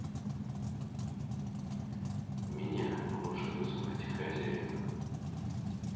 меня лучше называть хозяина